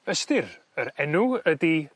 Ystyr yr enw ydi